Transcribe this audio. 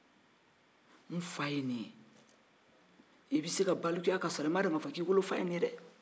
i bɛ se ka balikuya k'a sɔrɔ i m'a dɔn k'i fa ye nin ye